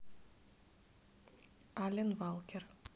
ален валкер